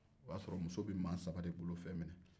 o y'a sɔrɔ muso bɛ maa saba de bolofɛn minɛ